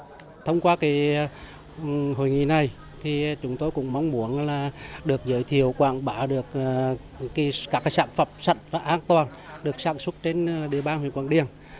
thông qua cái hội nghị này thì chúng tôi cũng mong muốn là được giới thiệu quảng bá được cái các cái sản phẩm sạch và an toàn được sản xuất trên địa bàn huyện quảng điền